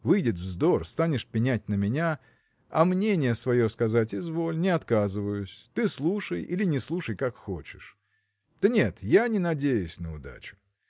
выйдет вздор – станешь пенять на меня а мнение свое сказать изволь – не отказываюсь ты слушай или не слушай как хочешь. Да нет! я не надеюсь на удачу.